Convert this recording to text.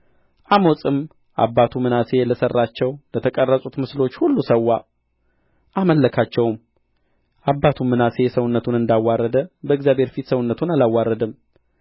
አሞጽም አባቱ ምናሴ ለሠራቸው ለተቀረጹት ምስሎች ሁሉ ሠዋ አመለካቸውም አባቱም ምናሴ ሰውነቱን እንዳዋረደ በእግዚአብሔር ፊት አንዳላዋረደ በእግዚአብሔርም ሰውነቱን አላዋረደም